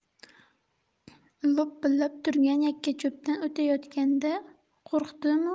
lopillab turgan yakkacho'pdan o'tayotganda qo'rqdimu